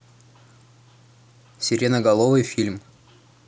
сереноголовый фильм